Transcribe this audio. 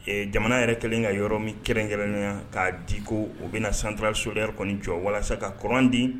Ee jamana yɛrɛ kɛlen ka yɔrɔ min kɛrɛnrɛnnenya k'a diko u bɛna na santurara soyri kɔni jɔ walasa ka kuran di